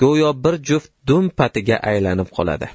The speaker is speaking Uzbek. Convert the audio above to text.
go'yo bir juft dum patiga aylanib qoladi